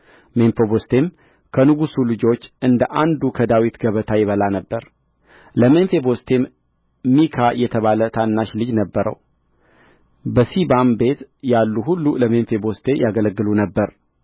ሜምፊቦስቴም ከንጉሡ ልጆች እንደ አንዱ ከዳዊት ገበታ ይበላ ነበር ለሜምፊቦስቴም ሚካ የተባለ ታናሽ ልጅ ነበረው በሲባም ቤት ያሉ ሁሉ ለሜምፊቦስቴ ያገለግሉ ነበር